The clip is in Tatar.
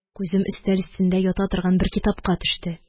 Күзем өстәл өстендә ята торган бер китапка төште